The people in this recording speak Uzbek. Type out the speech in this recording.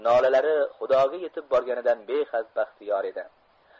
nolalari xudoga yetib borganidan behad baxtiyor edi